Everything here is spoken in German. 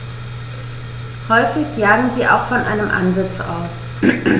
Häufig jagen sie auch von einem Ansitz aus.